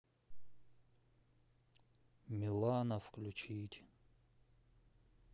милана включить